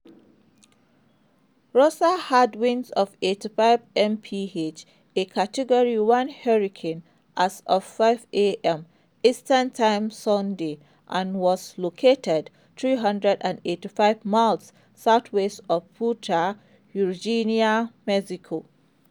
Rosa had winds of 85 mph, a Category 1 Hurricane, as of 5 a.m. Eastern time Sunday, and was located 385 miles southwest of Punta Eugenia, Mexico.